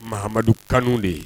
Mahamaudu kan de ye